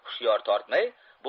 hushyor tortmay